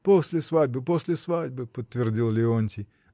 — После свадьбы, после свадьбы! — подтвердил Леонтий.